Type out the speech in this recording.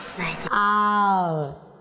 à